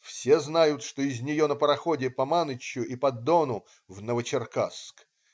Все знают, что из нее на пароходе по Манычу и Дону в Новочеркасск.